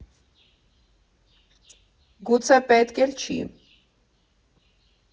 Գուցե, պետք էլ չի։